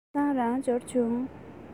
ཁ སང རང འབྱོར བྱུང